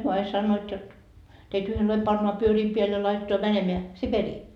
he aina sanovat jotta teitä yhden lailla pannaan pyörien päälle ja laitetaan menemään Siperiaan